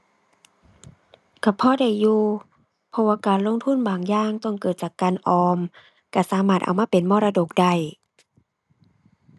ก็พอได้อยู่ เพราะว่าการลงทุนบางอย่างต้องเกิดจากการออม ก็สามารถเอามาเป็นมรดกได้